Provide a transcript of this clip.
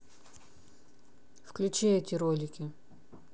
включи эти ролики